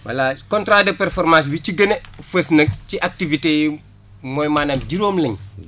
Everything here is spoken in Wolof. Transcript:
voilà contrat de performance bi ci gën a fës nag ci activités yu mooy maanaam juróom lañ